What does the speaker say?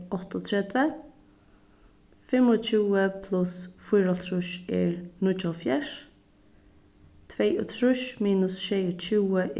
áttaogtretivu fimmogtjúgu pluss fýraoghálvtrýss er níggjuoghálvfjerðs tveyogtrýss minus sjeyogtjúgu